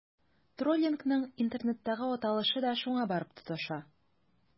Троллингның интернеттагы аталышы да шуңа барып тоташа.